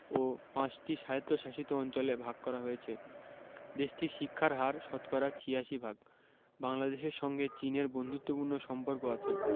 ও ৫ টি স্বায়ত্তশাসিত অঞ্চলে ভাগ করা হয়েছে দেশটির শিক্ষার হার শতকরা ৮৬ ভাগ বাংলাদেশের সঙ্গে চীনের বন্ধুত্বপূর্ণ সম্পর্ক আছে